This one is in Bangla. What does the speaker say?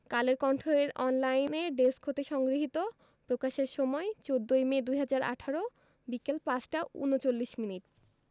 কালের কণ্ঠ এর অনলাইনে ডেস্ক হতে সংগৃহীত প্রকাশের সময় ১৪মে ২০১৮ বিকেল ৫টা ৩৯ মিনিট